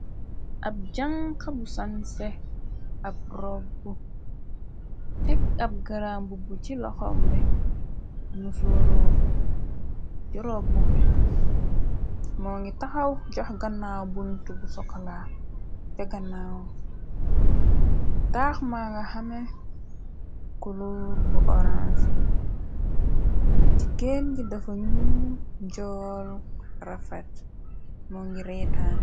Ab jànqa bu sanse , teek ab gërambubu ci laxombe, mosoro ci robbube, moo ngi taxaw jox gannaaw bunt bu sokala te gannaaw, taax ma nga xame kulóor bu orange , ji geen yi dafa ñu njool rafet moo ngi reetaan.